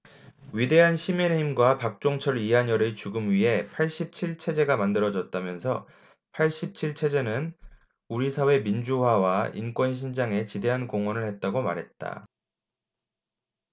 위대한 시민의 힘과 박종철 이한열의 죽음 위에 팔십 칠 체제가 만들어졌다면서 팔십 칠 체제는 우리 사회 민주화와 인권신장에 지대한 공헌을 했다고 말했다